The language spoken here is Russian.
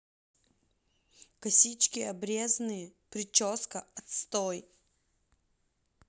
косички обрезные прическа отстой